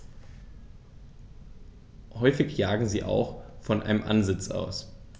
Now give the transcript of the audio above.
Häufig jagen sie auch von einem Ansitz aus.